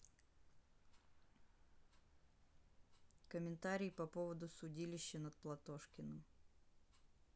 комментарии по поводу судилища над платошкиным